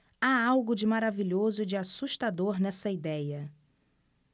há algo de maravilhoso e de assustador nessa idéia